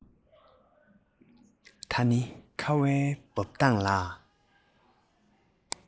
ད ནི ཁ བའི འབབ སྟངས ལ